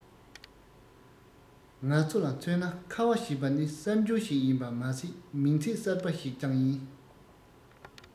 ང ཚོ ལ མཚོན ན ཁ བ ཞེས པ ནི གསར འགྱུར ཞིག ཡིན པ མ ཟད མིང ཚིག གསར པ ཞིག ཀྱང ཡིན